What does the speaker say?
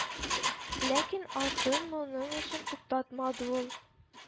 Ләкин алтын моның өчен туктатмады ул